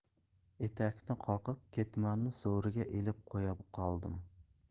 etakni qoqib ketmonni so'riga ilib qo'ya qoldim